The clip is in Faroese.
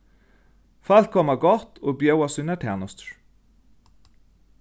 fólk koma á gátt og bjóða sínar tænastur